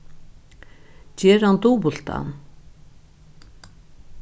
ger hann dupultan